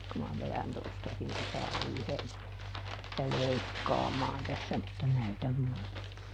kun minä vedän tuostakin -- leikkaamaan tässä mutta näytän muuten